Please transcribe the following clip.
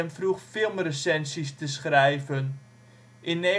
vroeg filmrecensies te schrijven. In 1954